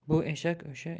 bu eshak o'sha